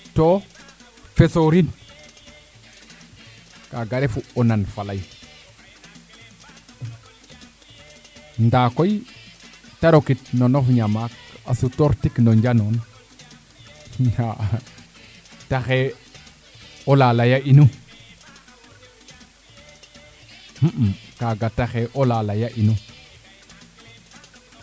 to fesoorin kaga refu o nan faley nda koy te rokit no nof ñamaak a sutoor tik no njanoon taxe o laley a inu kaga taxe o laley a inu